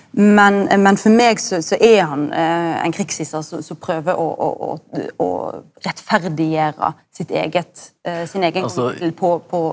men men for meg så så er han ein krigshissar så som prøver å å å å å rettferdiggjere sitt eige sin eigen på på.